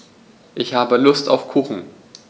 Ich habe Lust auf Kuchen.